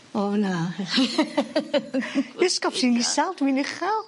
O na Iesgob ti'n isel dwi'n uchel.